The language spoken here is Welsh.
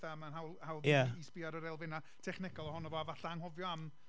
A mae'n haw- hawdd... ie... i ni sbio ar yr elfenau technegol ohono fo a falla anghofio am...